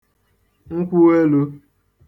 nkwụelū